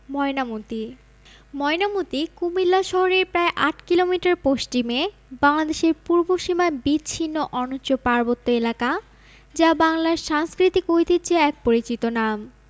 ময়নামতী ময়নামতী কুমিল্লা শহরের প্রায় ৮ কিলোমিটার পশ্চিমে বাংলাদেশের পূর্ব সীমায় বিচ্ছিন্ন অনুচ্চ পার্বত্য এলাকা যা বাংলার সাংস্কৃতিক ঐতিহ্যে এক পরিচিত নাম